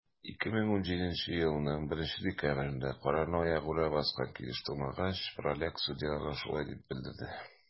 2017 елның 1 декабрендә, карарны аягүрә баскан килеш тыңлагач, праляк судьяларга шулай дип белдерде: